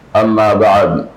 Nba nbabaa dun